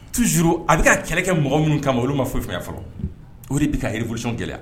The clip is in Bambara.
Tu sururu a bɛ ka kɛlɛkɛ mɔgɔ minnu kama olu ma foyi fɛn fɔlɔ o de bi ka hfsi kɛlɛ